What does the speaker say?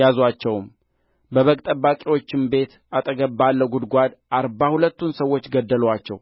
ያዙአቸውም በበግ ጠባቂዎችም ቤት አጠገብ ባለው ጕድጓድ አርባ ሁለቱን ሰዎች ገደሉአቸው